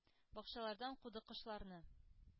Бакчалардан куды кошларны,